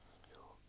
Joo